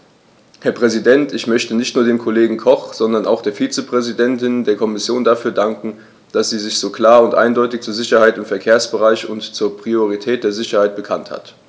Herr Präsident, ich möchte nicht nur dem Kollegen Koch, sondern auch der Vizepräsidentin der Kommission dafür danken, dass sie sich so klar und eindeutig zur Sicherheit im Verkehrsbereich und zur Priorität der Sicherheit bekannt hat.